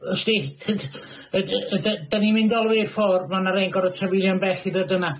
Yd- yd- yd- yd- ydyn ni'n mynd olwy i'r ffordd ma' na rei'n gor'o' trafeirio'n bell i ddod yna.